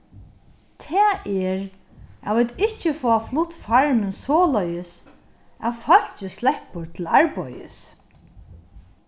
tað er at vit ikki fáa flutt farmin soleiðis at fólkið sleppur til arbeiðis